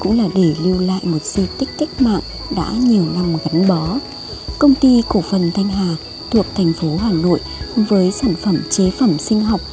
cũng là để lưu lại một di tích cách mạng đã nhiều năm gắn bó công ty cổ phần thanh hà thuộc thành phố hà nội với sản phẩm chế phẩm sinh học